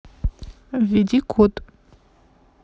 введи код